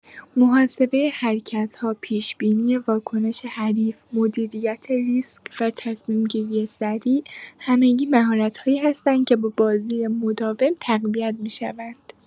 محاسبه حرکت‌ها، پیش‌بینی واکنش حریف، مدیریت ریسک و تصمیم‌گیری سریع، همگی مهارت‌هایی هستند که با بازی مداوم تقویت می‌شوند.